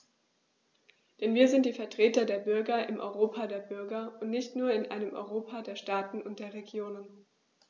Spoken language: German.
Denn wir sind die Vertreter der Bürger im Europa der Bürger und nicht nur in einem Europa der Staaten und der Regionen.